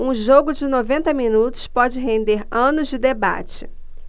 um jogo de noventa minutos pode render anos de debate